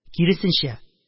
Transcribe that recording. Киресенчә,